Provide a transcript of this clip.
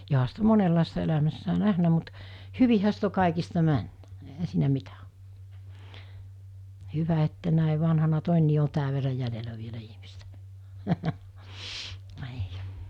johan sitä on monenlaista elämässään nähnyt mutta hyvinhän sitä on kaikista mennyt eihän siinä mitä ole hyvä että näin vanhana todenkin on tämän verran jäljellä vielä ihmistä niin